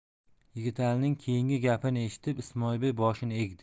yigitalining keyingi gapini eshitib ismoilbey boshini egdi